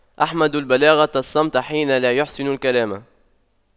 أحمد البلاغة الصمت حين لا يَحْسُنُ الكلام